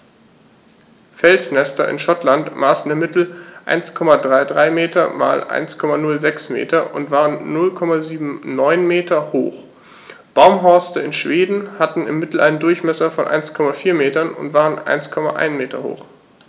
Felsnester in Schottland maßen im Mittel 1,33 m x 1,06 m und waren 0,79 m hoch, Baumhorste in Schweden hatten im Mittel einen Durchmesser von 1,4 m und waren 1,1 m hoch.